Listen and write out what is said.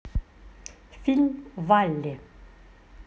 фильм валли